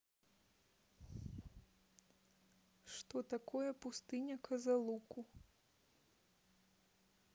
что такое пустыня ка за луку